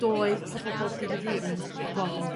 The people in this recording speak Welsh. doedd pobol bob dydd i ddydd ddim yn gw'bod am